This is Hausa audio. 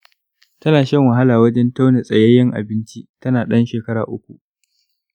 tana shan wahala wajen tauna tsayayyen abinci tana ɗan shekara uku